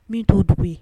Min t'o dugu ye